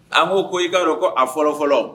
An ko k'i ka dɔn ko a fɔlɔ fɔlɔ